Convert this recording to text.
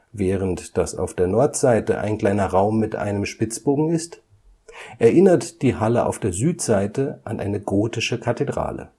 Während das auf der Nordseite ein kleiner Raum mit einem Spitzbogen ist, erinnert die Halle auf der Südseite an eine gotische Kathedrale